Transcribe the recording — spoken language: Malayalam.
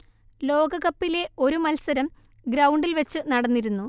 ലോകകപ്പിലെ ഒരു മത്സരം ഗ്രൗണ്ടിൽ വെച്ച് നടന്നിരുന്നു